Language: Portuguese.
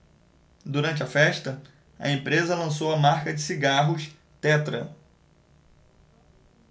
durante a festa a empresa lançou a marca de cigarros tetra